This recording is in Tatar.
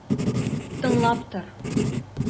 Тыңлап тор!